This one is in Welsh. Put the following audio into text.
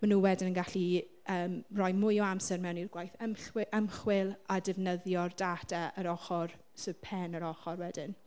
Maen nhw wedyn yn gallu yym roi mwy o amser mewn i'r gwaith ymchwi- ymchwil a defnyddio'r data yr ochr... sort of pen yr ochr wedyn.